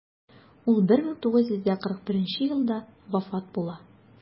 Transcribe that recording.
Ул 1941 елда вафат була.